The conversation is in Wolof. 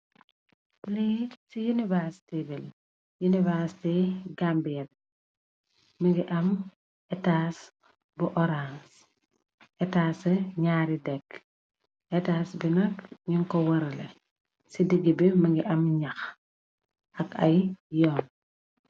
Li si University bi la, University Gambia bi mugii am ètas bu orans, ètas yi ñaari dék . Ètas bi nak ñing ko waraleh ci digih bi mugii am ñax ak ay yon.